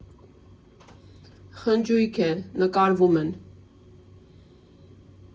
Խնջույք է, նկարվում են.